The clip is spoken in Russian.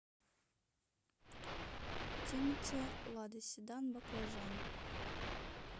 тимати лада седан баклажан